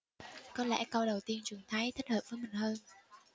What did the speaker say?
có lẽ câu đầu tiên trường thấy thích hợp với mình hơn